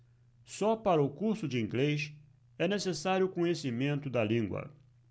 só para o curso de inglês é necessário conhecimento da língua